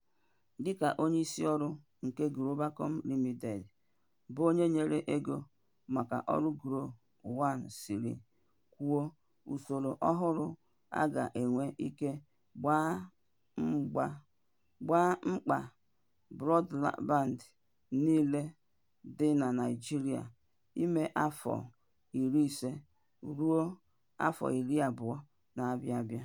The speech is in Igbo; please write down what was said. Dịka onyeisi ọrụ nke Globacom Limited, bụ onye nyere ego maka ọrụ GLO-1 siri kwuo, usoro ọhụrụ a ga-enwe ike gboo mkpa brọdband niile dị na Naịjirịa n'ime afọ 15 ruo 20 na-abịa abịa.